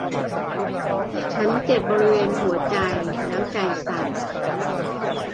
ฉันเจ็บบริเวณหัวใจแล้วใจสั่น